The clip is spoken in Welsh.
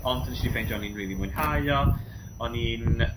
Ond nesh i feindio o'n i'n rili mwynhau o o'n i'n